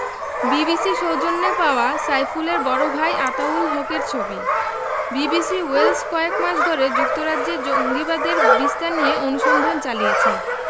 বিবিসির সৌজন্যে পাওয়া সাইফুলের বড় ভাই আতাউল হকের ছবি বিবিসি ওয়েলস কয়েক মাস ধরে যুক্তরাজ্যে জঙ্গিবাদের বিস্তার নিয়ে অনুসন্ধান চালিয়েছে